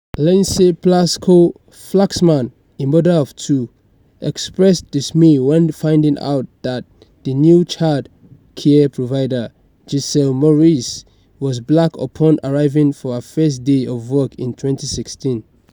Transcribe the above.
Lynsey Plasco-Flaxman, a mother of two, expressed dismay when finding out that the new child care provider, Giselle Maurice, was black upon arriving for her first day of work in 2016.